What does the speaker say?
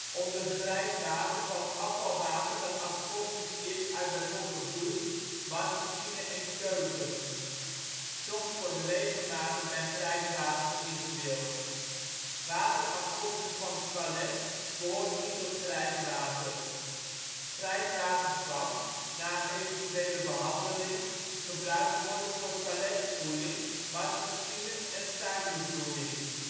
Onder grijs water valt afvalwater dat afkomstig is uit bijvoorbeeld douche, wasmachine en keuken. Soms wordt regenwater bij grijs water ingedeeld. Water afkomstig van toilet behoort niet tot grijs water. Grijs water kan (na een eventuele behandeling) gebruikt worden voor toiletspoeling, wasmachine en tuinbevloeiing